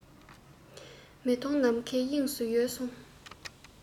མི མཐོང ནམ མཁའི དབྱིངས སུ ཡལ སོང